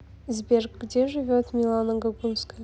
сбер где живет милана гогунская